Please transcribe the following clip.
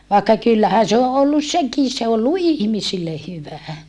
vaikka kyllähän se on ollut sekin se on ollut ihmisille hyvä